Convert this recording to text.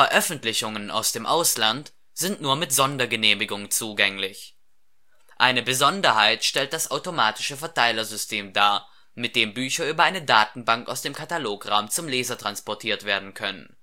Veröffentlichungen aus dem Ausland sind nur mit Sondergenehmigung zugänglich. Eine Besonderheit stellt das automatische Verteilersystem dar, mit dem Bücher über eine Datenbank aus dem Katalograum zum Leser transportiert werden können